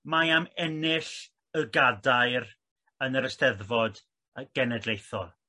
mae am ennill y gadair yn yr Esteddfod y Genedlaethol.